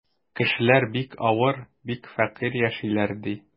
Кешеләр бик авыр, бик фәкыйрь яшиләр, ди.